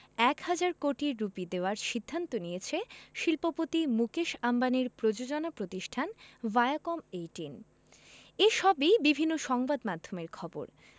এক হাজার কোটি রুপি দেওয়ার সিদ্ধান্ত নিয়েছে শিল্পপতি মুকেশ আম্বানির প্রযোজনা প্রতিষ্ঠান ভায়াকম এইটিন এই সবই বিভিন্ন সংবাদমাধ্যমের খবর